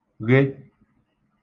ghe